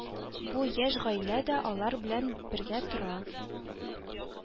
Бу яшь гаилә дә алар белән бергә тора